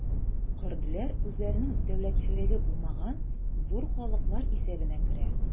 Көрдләр үзләренең дәүләтчелеге булмаган зур халыклар исәбенә керә.